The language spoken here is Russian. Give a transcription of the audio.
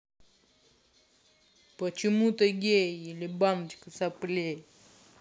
почему ты гей или баночка соплей